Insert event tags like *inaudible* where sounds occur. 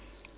*hesitation* *hesitation*